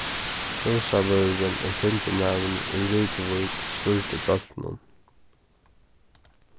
húsavørðurin og timburmaðurin úr rituvík stýrdi bóltinum